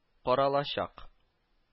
Каралачак